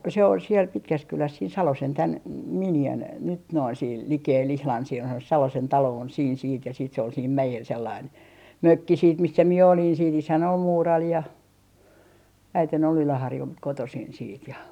se se oli siellä Pitkässäkylässä siinä Salosen tämän - miniän nyt noin siellä likellä ihan siellähän on se Salosen talo on siinä sitten ja sitten se oli siinä mäellä sellainen mökki sitten missä minä olin sitten isäni oli muurari ja äitini oli Yläharjulta kotoisin sitten ja